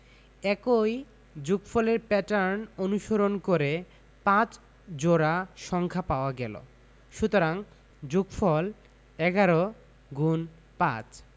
একই যোগফলের প্যাটার্ন অনুসরণ করে ৫ জোড়া সংখ্যা পাওয়া গেল সুতরাং যোগফল ১১ x৫